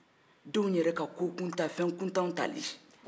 denw yɛrɛ ka ko kuntanw fɛn kuntanw tali